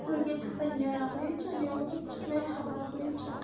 yo'lga chiqsang yaroqli chiq yolg'iz chiqmay hamrohli chiq